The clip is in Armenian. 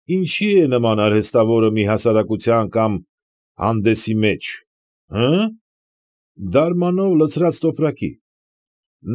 Ինչի՞ է նմանում արհեստավորը մի հասարակության կամ հանդեսի մեջ, հը՛ը… դարմանով լցրած տոպրակի։